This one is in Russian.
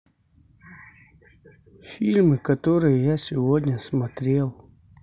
фильмы которые я сегодня смотрел